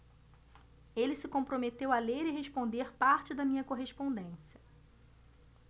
ele se comprometeu a ler e responder parte da minha correspondência